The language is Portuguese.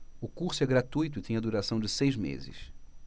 o curso é gratuito e tem a duração de seis meses